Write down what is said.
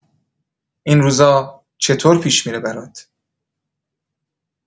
این روزا چطور پیش می‌ره برات؟